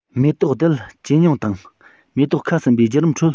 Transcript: མེ ཏོག རྡུལ ཇེ ཉུང དང མེ ཏོག ཁ ཟུམ པའི བརྒྱུད རིམ ཁྲོད